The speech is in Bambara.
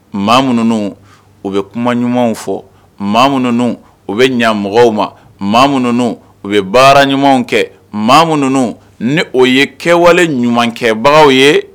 Mɔgɔ minnu u bɛ kuma ɲumanw fɔ maa minnu u bɛ ɲamɔgɔ ma mɔgɔ minnu u bɛ baara ɲumanw kɛ mɔgɔ minnuunu ni o ye kɛwale ɲuman kɛbagaw ye